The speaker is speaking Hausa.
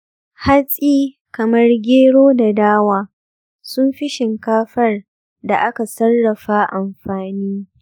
hatsi kamar gero da dawa sun fi shinkafar da aka sarrafa amfani.